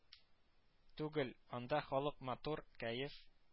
Түгел, анда халык матур, кәеф